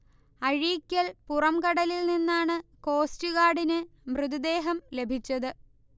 അഴീക്കൽ പുറംകടലിൽ നിന്നാണ് കോസ്റ്റ്ഗാർഡിന് മൃതദേഹം ലഭിച്ചത്